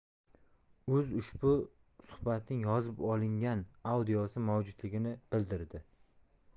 uz ushbu suhbatning yozib olingan audiosi mavjudligini bildirdi